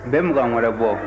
n bɛ mugan wɛrɛ bɔ